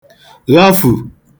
ghafù